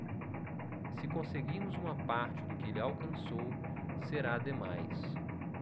se conseguirmos uma parte do que ele alcançou será demais